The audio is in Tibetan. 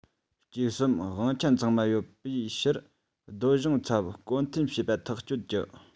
བཅུ གསུམ དབང ཆ ཚང མ ཡོད པའི ཕྱིར སྡོད གཞུང ཚབ བསྐོ འཐེན བྱེད པ ཐག གཅོད རྒྱུ